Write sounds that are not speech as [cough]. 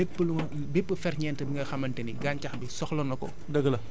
maanaam lépp lu ma [noise] bépp ferñeent bi nga xamante ni gàncax bi soxla na ko